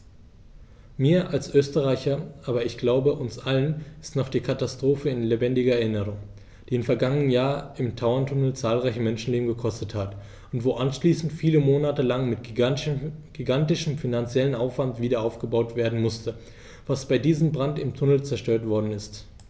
Mir als Österreicher, aber ich glaube, uns allen ist noch die Katastrophe in lebendiger Erinnerung, die im vergangenen Jahr im Tauerntunnel zahlreiche Menschenleben gekostet hat und wo anschließend viele Monate lang mit gigantischem finanziellem Aufwand wiederaufgebaut werden musste, was bei diesem Brand im Tunnel zerstört worden ist.